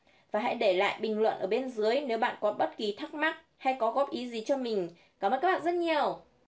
và hãy để lại bình luận ở bên dưới nếu các bạn có bất kỳ thắc mắc hay có góp ý gì cho mình cảm ơn các bạn rất nhiều